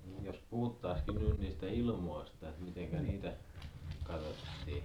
jos puhuttaisikin nyt niistä ilmoista että miten niitä katsottiin